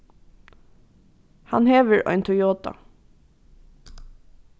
hann hevur ein toyota